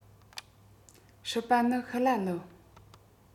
སྲིད པ ནི ཤི ལ ལི